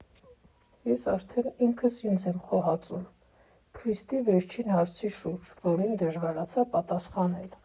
Էս արդեն ինքս ինձ եմ խոհածում՝ Քրիսի վերջին հարցի շուրջ, որին դժվարացա պատասխանել։